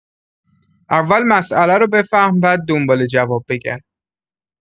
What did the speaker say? اول مسئله رو بفهم بعد دنبال جواب بگرد